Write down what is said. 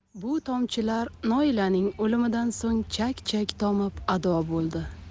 bu tomchilar noilaning o'limidan so'ng chak chak tomib ado bo'ldi